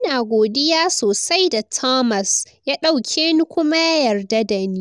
Ina godiya sosai da Thomas ya dauke ni kuma ya yarda da ni.